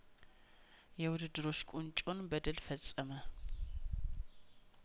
የውድድሮች ቁንጮን በድል ፈጸመ